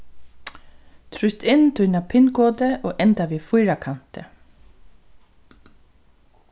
trýst inn tína pin-kodu og enda við fýrakanti